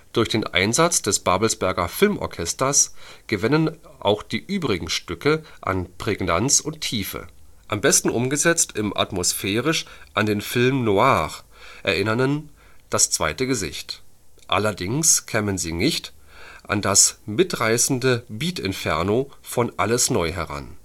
Durch den Einsatz des Babelsberger Filmorchesters gewännen auch die übrigen Stücke an „ Prägnanz und Tiefe “– am besten umgesetzt im atmosphärisch an den Film noir erinnernden Das zweite Gesicht –, allerdings kämen sie nicht „ an das mitreißende Beat-Inferno “von Alles neu heran